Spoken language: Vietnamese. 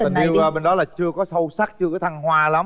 tình yêu bên đó là chưa có sâu sắc chưa có thăng hoa lắm